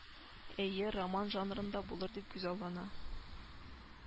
Әйе, роман жанрында булыр дип күзаллана